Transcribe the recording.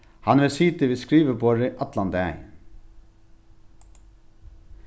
hann hevur sitið við skriviborðið allan dagin